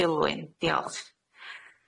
Dilwyn diolch.